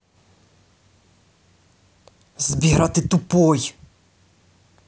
сбер а ты тупой